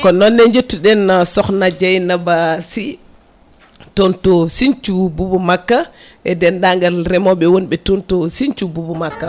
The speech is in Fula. ko noone jettuɗen sokhna Deiynaba Sy toon to Sinthiou Boubou Makka e dendagal remoɓe wonɓe toon to Sinthiou Boubou Makka